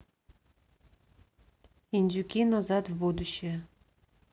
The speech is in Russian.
индюки назад в будущее